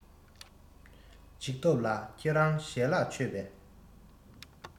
འཇིགས སྟོབས ལགས ཁྱེད རང ཞལ ལག མཆོད པས